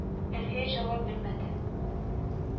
Аны шактый нык орышканнар булса кирәк.